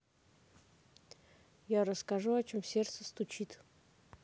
я расскажу о чем сердце стучит